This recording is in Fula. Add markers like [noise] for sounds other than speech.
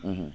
[hesitation] [hesitation]